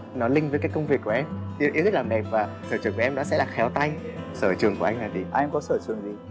nó linh với các công việc của em yêu yêu thích làm đẹp và sở trường của em nó sẽ là khéo tay sở trường của anh là gì anh có sở trường gì